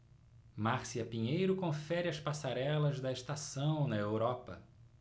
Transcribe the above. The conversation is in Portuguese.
márcia pinheiro confere as passarelas da estação na europa